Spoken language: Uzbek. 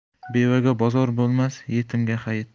bevaga bozor bo'lmas yetimga hayit